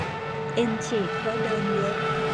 เอ็นฉีกเพราะเดินเยอะ